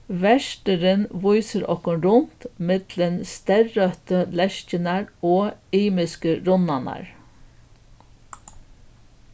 verturin vísir okkum runt millum steyrrøttu lerkirnar og ymisku runnarnar